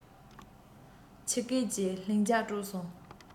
ཁྱི སྐད ཀྱིས ལྷིང འཇགས དཀྲོགས སོང